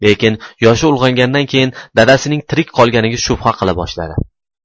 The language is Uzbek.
lekin yoshi ulg'aygandan keyin otasining tirik qolganiga shubha qila boshladi